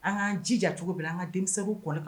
An ka jija cogo bɛɛ la an ka denmisɛn kɔnni